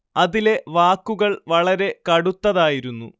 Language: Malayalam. അതിലെ വാക്കുകൾ വളരെ കടുത്തതായിരുന്നു